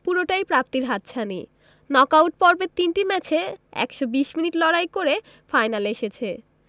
পুরোটাই প্রাপ্তির হাতছানি নক আউট পর্বের তিনটি ম্যাচে ১২০ মিনিট লড়াই করে ফাইনালে এসেছে